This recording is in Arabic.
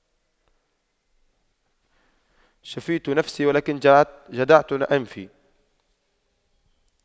شفيت نفسي ولكن جدعت أنفي